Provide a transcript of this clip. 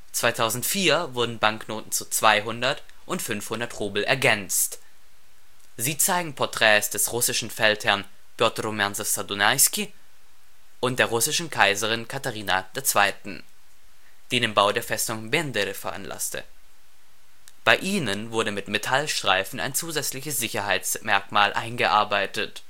2004 wurden Banknoten zu 200 und 500 Rubel ergänzt. Sie zeigen Porträts des russischen Feldherrn Pjotr Rumjanzew-Sadunaiski und der russischen Kaiserin Katharina II., die den Bau der Festung Bendery veranlasste. Bei ihnen wurde mit Metallstreifen ein zusätzliches Sicherheitsmerkmal eingearbeitet